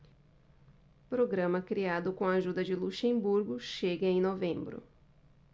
programa criado com a ajuda de luxemburgo chega em novembro